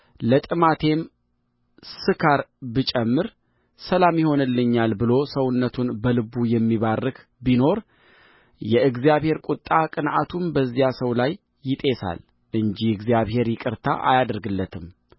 ለጥማቴም ስካር ብጨምር ሰላም ይሆንልኛል ብሎ ሰውነቱን በልቡ የሚባርክ ቢኖር የእግዚአብሔር ቍጣ ቅንዓቱም በዚያ ሰው ላይ ይጤሳል እንጂ እግዚአብሔር ይቅርታ አያደርግለትም